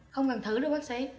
không cần thử đâu bác sĩ